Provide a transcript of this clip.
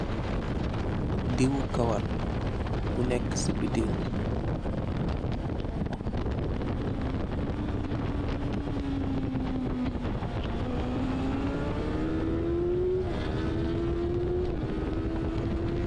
Dewi karaw bu neka si butel